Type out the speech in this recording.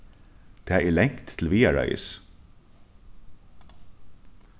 tað er langt til viðareiðis